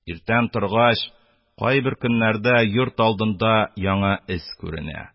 Иртән торгач, кайбер көннәрдә йорт алдында яңа эз күренә.